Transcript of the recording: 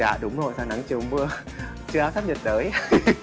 dạ đúng rồi sáng nắng chiều mưa trưa áp thấp nhiệt đới